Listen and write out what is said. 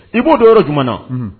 I b'o don yɔrɔ jumɛn na? Unhun.